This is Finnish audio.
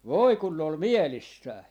voi kun ne oli mielissään